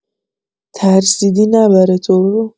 ترسیدی نبره تو رو؟!